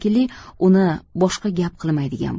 uni boshqa gap qilmaydigan